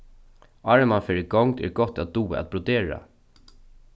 áðrenn mann fer í gongd er gott at duga at brodera